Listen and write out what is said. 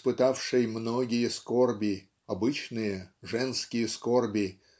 испытавшей "многие скорби" обычные женские скорби